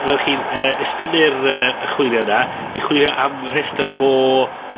oddech chi'n yy estynnu'r yy, y chwilio 'na i chwilio am rhester o